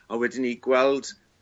A wedyn 'ny gweld